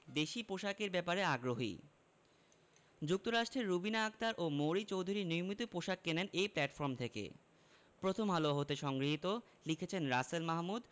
দেশি পোশাকের ব্যাপারে আগ্রহী যুক্তরাষ্ট্রের রুবিনা আক্তার ও মৌরি চৌধুরী নিয়মিত পোশাক কেনেন এই প্ল্যাটফর্ম থেকেপ্রথমআলো হতে সংগৃহীত লিখেছেন রাসেল মাহমুদ